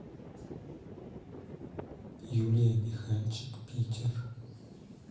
юлия михальчик питер